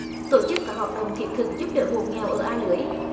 tổ chức các hoạt động thiết thực giúp đỡ hộ nghèo ở a lưới